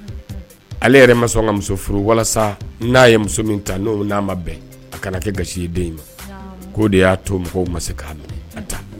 Ale yɛrɛ ma sɔn ka muso furu walasa n ye muso min ta ma bɛn a kana kɛ ga ye den in ma k de y'a to mɔgɔw ma se